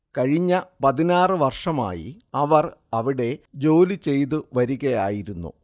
കഴിഞ്ഞ പതിനാറ് വർഷമായി അവർ അവിടെ ജോലി ചെയ്ത് വരുകയായിരുന്നു